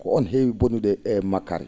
ko oon heewi bonnude e makkaari